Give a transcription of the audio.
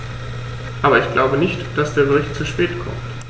Aber ich glaube nicht, dass der Bericht zu spät kommt.